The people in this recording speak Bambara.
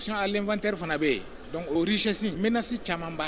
Sin ali 2teri fana bɛ yen dɔn orizsi n bɛna nasi caman ba